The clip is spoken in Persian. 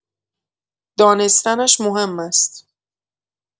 دانستنش مهم است.